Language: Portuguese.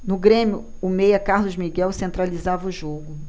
no grêmio o meia carlos miguel centralizava o jogo